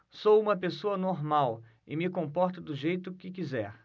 sou homossexual e me comporto do jeito que quiser